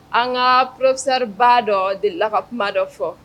An ka poropsariba dɔ de la ka kuma dɔ fɔ